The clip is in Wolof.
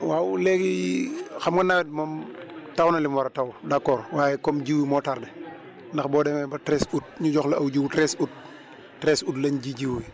waaw léegi xam nga nawet bi moom taw na li mu war a taw d' accord waaye comme jiwu moo tardé ndax boo demee ba treize août ñu jox la aw jiwu treize août treize août lañ ji jiwu wi